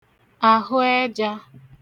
àhụẹjā